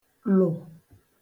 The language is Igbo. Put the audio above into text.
lụ̀